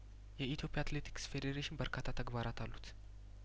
የኢትዮፕያ አትሌቲክስ ፌዴሬሽን በርካታ ተግባራት አሉት